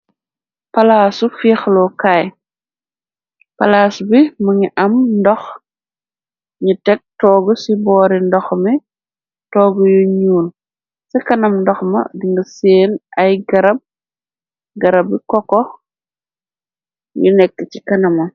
Palaasu fiixloo kaay palaas bi mongi am ndox ni teg toogu ci boori ndox mi toog yu ñuul ci kanam ndox ma di nga seen ay garab gara bi kokox yu nekk ci kanama.